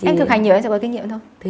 em thực hành nhiều em sẽ có kinh nghiệm thôi